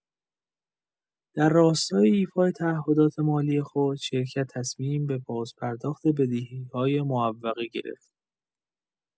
در راستای ایفای تعهدات مالی خود، شرکت تصمیم به بازپرداخت بدهی‌های معوقه گرفت.